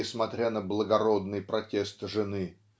несмотря на благородный протест жены